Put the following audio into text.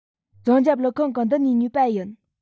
རྫོང རྒྱབ ཀླུ ཁང གི མདུན ནས ཉོས པ ཡིན